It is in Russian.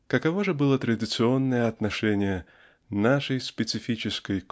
Каково же было традиционное отношение нашей специфической